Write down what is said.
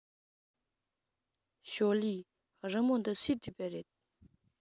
ཞོའོ ལིའི རི མོ འདི སུས བྲིས པ རེད